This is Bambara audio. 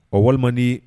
O wali man di.